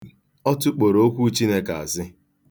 Ọ tụkporo Okwu Chineke asị.